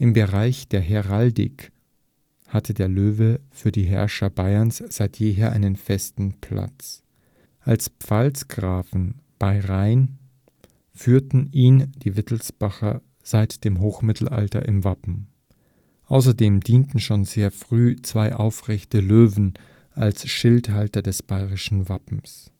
Bereich der Heraldik hatte der Löwe für die Herrscher Bayerns seit jeher einen festen Platz. Als Pfalzgrafen bei Rhein führten ihn die Wittelsbacher seit dem Hochmittelalter im Wappen. Außerdem dienten schon sehr früh zwei aufrechte Löwen als Schildhalter des bayerischen Wappens